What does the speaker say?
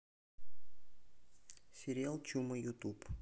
сериал чума ютуб